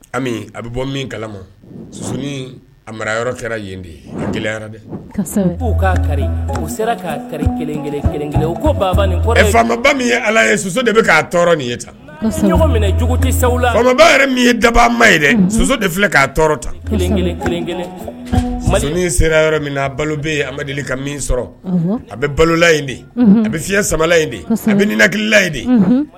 A bɛ bɔ kala a mara kɛra yen de ye ye ala ye soso de k'a tɔɔrɔ nin ye tanba ye daba ye dɛ soso de filɛ ka tɔɔrɔ ta sera yɔrɔ min balo bɛ ka min sɔrɔ a bɛ balola a bɛ siɲɛ samala bɛina kila de